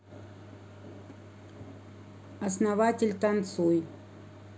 основатель танцуй